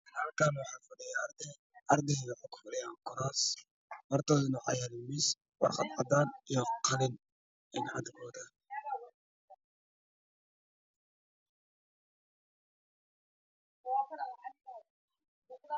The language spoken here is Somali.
Halkan waxaa fadhiya arday waxay wataan shaatiga caddaan shaatiga jaalo warqad ay horyaalo waxa ay ku qorayaan